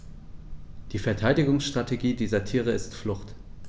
Die Verteidigungsstrategie dieser Tiere ist Flucht.